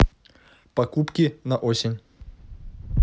покупки на осень